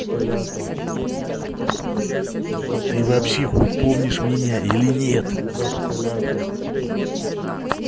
ты вообще хоть помнишь меня или нет